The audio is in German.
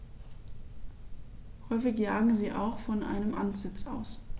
Häufig jagen sie auch von einem Ansitz aus.